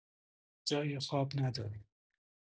جای خواب نداریم